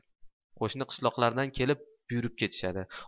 qo'shni qishloqlardan kelib buyurib ketishadi